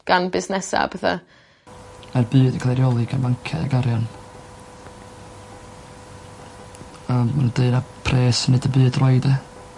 Gan busnesa' a petha. Mae'r byd yn cael ei reoli gan fanciau ag arian. Yym ma' n'w deud ma' pres sy neud y byd droi 'de?